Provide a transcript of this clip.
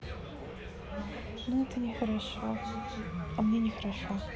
ну это нехорошо а мне не хорошо